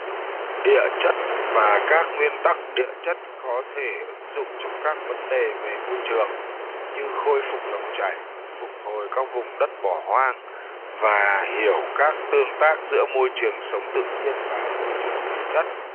địa chất và các nguyên tắc địa chất có thể ứng dụng trong các vấn đề về môi trường như khôi phục dòng chảy phục hồi các vùng đất bỏ hoang và hiểu các tương tác giữa môi trường sống tự nhiên và môi trường địa chất